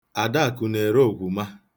Adakụ na-ere okwuma.